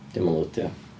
'Di o'm yn lowdio.